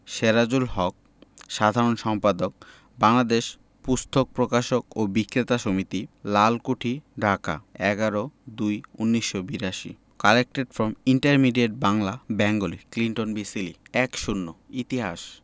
সেরাজুল হক সাধারণ সম্পাদক বাংলাদেশ পুস্তক প্রকাশক ও বিক্রেতা সমিতি Lalkuthi Dhaka ১১ ০২ ১৯৮২ collected from intermediate Bangla Bengali Clinton B Seely ১০ ইতিহাস